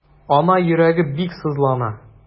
Ана йөрәге бик сызлана.